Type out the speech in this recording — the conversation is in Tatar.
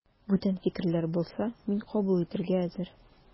Бүтән фикерләр булса, мин кабул итәргә әзер.